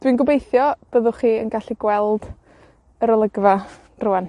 Dwi'n gobeithio byddwch chi yn gallu gweld yr olygfa rŵan.